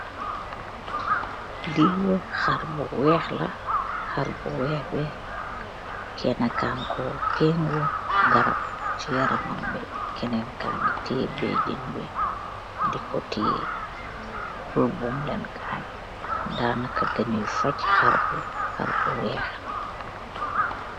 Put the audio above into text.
Li haar bu weeh la, haar bu weeh bi kehna kanggoo penggu karaap ce yaramambi, kehneen gaageih tiyeh behjeen bi, danaka dinyew fachee haar bi bu weeh la.